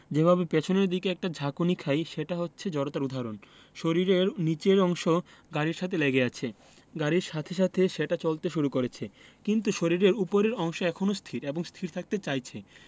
যেভাবে পেছনের দিকে একটা ঝাঁকুনি খাই সেটা হচ্ছে জড়তার উদাহরণ শরীরের নিচের অংশ গাড়ির সাথে লেগে আছে গাড়ির সাথে সাথে সেটা চলতে শুরু করেছে কিন্তু শরীরের ওপরের অংশ এখনো স্থির এবং স্থির থাকতে চাইছে